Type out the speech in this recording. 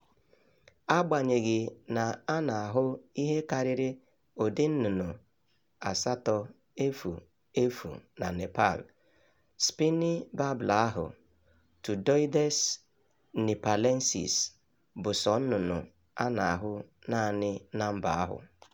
Agbanyeghị na a na-ahụ ihe kariri ụdị nnụnnụ 800 na Nepal, Spiny Babbler ahụ (Turdoides nipalensis) bụ sọ nnụnnụ a na-ahụ naanị na mba ahu.